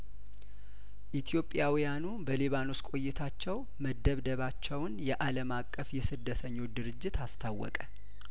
ኢትዮጵያውያኑ በሊባኖስ ቆይታቸው መደብደባቸውን የአለም አቀፍ የስደተኞች ድርጅት አስታወቀ